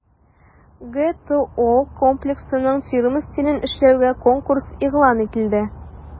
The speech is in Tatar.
ГТО Комплексының фирма стилен эшләүгә конкурс игълан ителде.